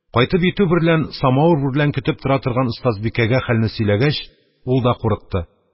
Кайтып йитү берлән, самавыр берлән көтеп тора торган остазбикәгә хәлне сөйләгәч, ул да курыкты.